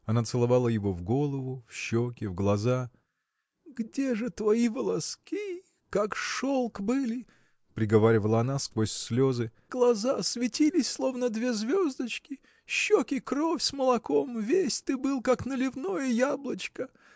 Она целовала его в голову, в щеки, в глаза. – Где же твои волоски? как шелк были! – приговаривала она сквозь слезы – глаза светились словно две звездочки щеки – кровь с молоком весь ты был, как наливное яблочко!